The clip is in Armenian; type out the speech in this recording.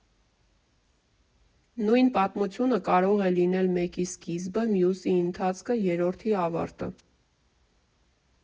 Նույն պատմությունը կարող է լինել մեկի սկիզբը, մյուսի ընթացքը, երրորդի ավարտը։